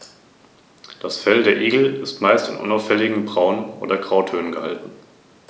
Neben den drei staatlichen Verwaltungsstellen des Biosphärenreservates gibt es für jedes Bundesland einen privaten Trägerverein.